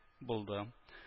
Булды